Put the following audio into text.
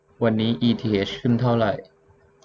วันนี้อีทีเฮชขึ้นเท่าไหร่